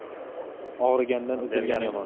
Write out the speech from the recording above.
og'rigandan uzilgan yomon